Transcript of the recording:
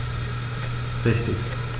Richtig